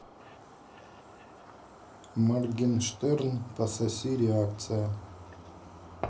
моргенштерн пососи реакция